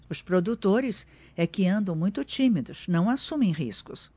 os produtores é que andam muito tímidos não assumem riscos